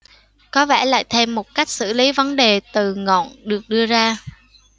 có vẻ lại thêm một cách xử lý vấn đề từ ngọn được đưa ra